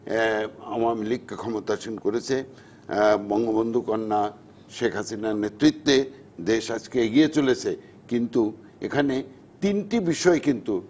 আওয়ামী লীগকে ক্ষমতাসীন করেছে বঙ্গবন্ধু কন্যা শেখ হাসিনার নেতৃত্বে দেশ আজ কে এগিয়ে চলেছে কিন্তু এখানে তিনটি বিষয় কিন্তু